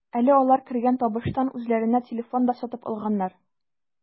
Әле алар кергән табыштан үзләренә телефон да сатып алганнар.